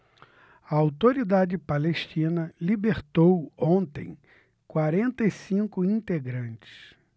a autoridade palestina libertou ontem quarenta e cinco integrantes